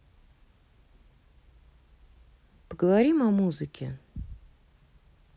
поговорим о музыке